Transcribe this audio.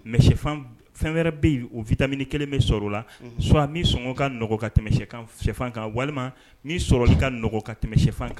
Mɛfan fɛn wɛrɛ bɛ yen o vitamini kelen bɛ sɔrɔ o la so min sɔngɔ kaɔgɔn ka tɛmɛfan kan walima n sɔrɔ i kaɔgɔn ka tɛmɛfan kan